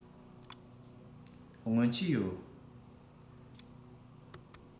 སྔོན ཆད ཡོད